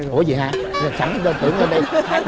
ủa dậy hả là sẵn ta tưởng lên đây khai